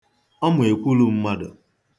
Ọ ma ekwulu mmadụ.